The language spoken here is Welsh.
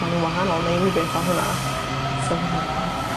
mae n'w wahanol neu unryw beth fel hwnna. So fi'n me'wl pawb.